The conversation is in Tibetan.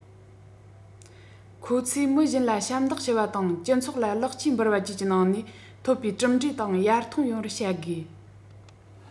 ཁོ ཚོས མི གཞན ལ ཞབས འདེགས ཞུ བ དང སྤྱི ཚོགས ལ ལེགས སྐྱེས འབུལ བ བཅས ཀྱི ནང ནས ཐོབ པའི གྲུབ འབྲས དང ཡར ཐོན ཡོང བར བྱ དགོས